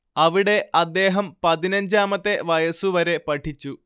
അവിടെ അദ്ദേഹം പതിനഞ്ചാമത്തെ വയസ്സുവരെ പഠിച്ചു